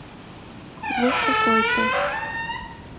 в какой то